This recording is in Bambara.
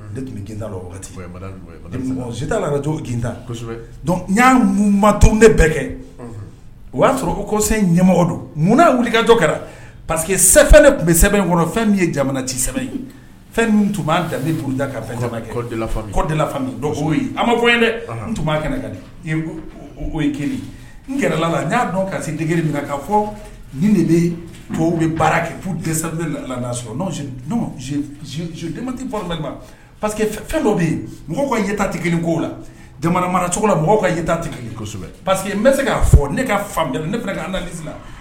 Tun bɛta si ka mato ne bɛɛ kɛ o y'a sɔrɔ ko kosen ɲɛmɔgɔ don munna' wuli ka jɔ kɛra parceseke que fɛn tun bɛ sɛbɛnbɛ in kɔnɔ fɛn min ye jamana ci saba ye fɛn min tun b' danbe da karata jamana kɔfa kɔko a ma bɔ dɛ tun b' kɛnɛko kelen n kɛra la n y'a dɔn karisa d na ka fɔ ni de bɛ tu bɛ baara kɛ dɛsɛ la alaa sɔrɔden tɛla pa fɛn dɔ bɛ mɔgɔ kata tɛ kelen ko la jamana manacogo la mɔgɔw kata tɛsɛbɛ pa parce queseke n bɛ se k'a fɔ ne ka fan ne k'